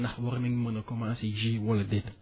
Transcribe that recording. ndax war nañu mën a commencer ji wala déet